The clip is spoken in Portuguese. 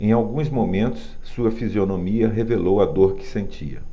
em alguns momentos sua fisionomia revelou a dor que sentia